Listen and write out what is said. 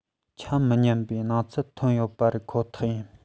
ཆ མི མཉམ པ ཀྱི སྣང ཚུལ ཐོན ཡོད པ རེད ཁོ ཐག ཡིན